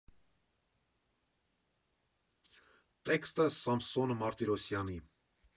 Տեքստը՝ Սամսոն Մարտիրոսյանի։